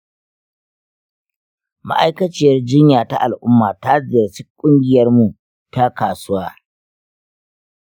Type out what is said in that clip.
ma’aikaciyar jinya ta al’umma ta ziyarci ƙungiyarmu ta kasuwa.